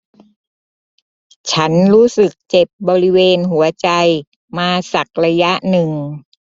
ฉันรู้สึกเจ็บบริเวณหัวใจมาสักระยะหนึ่ง